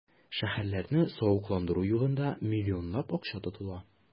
Шәһәрләрне савыкландыру юлында миллионлап акча тотыла.